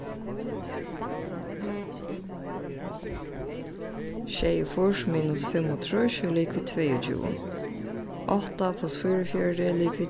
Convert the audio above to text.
sjeyogfýrs minus fimmogtrýss er ligvið tveyogtjúgu átta pluss fýraogfjøruti er ligvið